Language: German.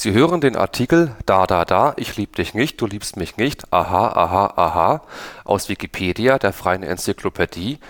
hören den Artikel Da Da Da ich lieb dich nicht du liebst mich nicht aha aha aha, aus Wikipedia, der freien Enzyklopädie